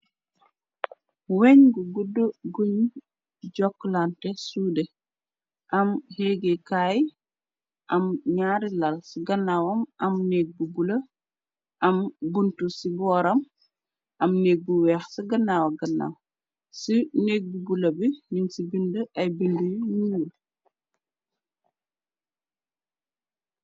Weñ bu guddu guñ jokklanteh suudeh, am yéegaykaay, am ñaari lal. Ci gannawam am néeg bu bulo, am buntu ci booram, am neeg bu weeh ci gannawa gannaw. Ci neeg bu bulo lo bi yung ci bindi ay bindi yu ñunul.